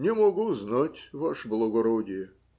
- Не могу знать, ваше благородие.